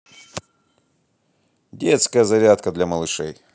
детская зарядка для малышей